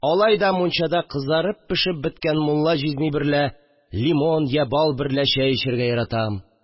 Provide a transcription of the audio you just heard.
Алай да мунчада кызарып-пешеп беткән мулла җизни берлә лимон йә бал берлә чәй эчәргә яратам